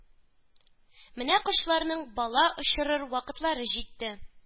Менә кошларның бала очырыр вакытлары җитте.